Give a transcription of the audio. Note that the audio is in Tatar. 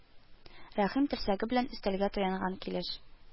Рәхим, терсәге белән өстәлгә таянган килеш: